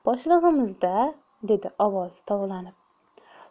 boshlig'imiz da dedi ovozi tovlanib